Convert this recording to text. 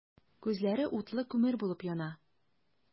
Күзләре утлы күмер булып яна.